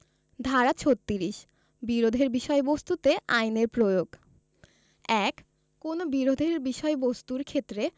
ধারা ৩৬ বিরোধের বিষয়বস্তুতে আইনের প্রয়োগ ১ কোন বিরোধের বিষয়বস্তুর ক্ষেত্রে